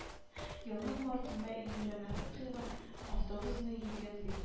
Елның мартында илмира нәфыйкова автобусны йөгәнли